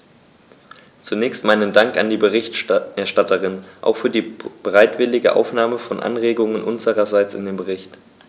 Zunächst meinen Dank an die Berichterstatterin, auch für die bereitwillige Aufnahme von Anregungen unsererseits in den Bericht.